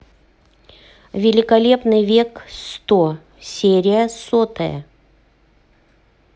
великолепный век сто серия сотая